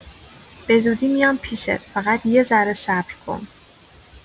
بزودی میام پیشت، فقط یه ذره صبر کن.